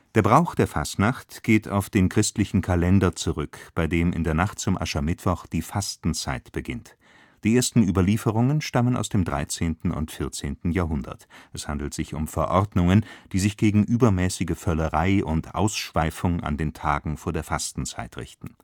Der Brauch der Fastnacht geht auf den christlichen Kalender zurück, bei dem in der Nacht zum Aschermittwoch die Fastenzeit beginnt. Die ersten Überlieferungen stammen aus dem 13. und 14. Jahrhundert – es handelt sich um Verordnungen, die sich gegen übermäßige Völlerei und Ausschweifung an den Tagen vor der Fastenzeit richten